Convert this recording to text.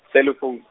selefoune.